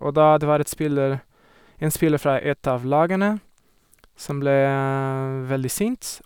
Og da det var et spiller en spiller fra ett av lagene som ble veldig sint.